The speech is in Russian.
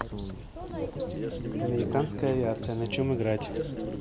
американская авиация на чем играть